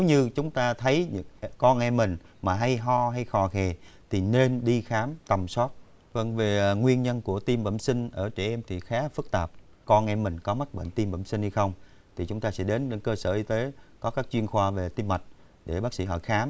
như chúng ta thấy con em mình mà hay ho hay khò khè thì nên đi khám tầm soát vâng về nguyên nhân của tim bẩm sinh ở trẻ em thì khá phức tạp con em mình có mắc bệnh tim bẩm sinh hay không khi chúng ta sẽ đến cơ sở y tế có các chuyên khoa về tim mạch để bác sĩ họ khám